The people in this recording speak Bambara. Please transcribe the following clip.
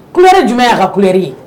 Kuɛri jumɛn y'a ka kuɛri ye